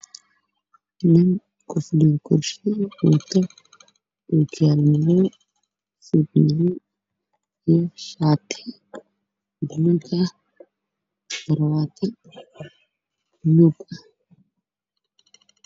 Waa xafiiska waxa jooga niman wataan suud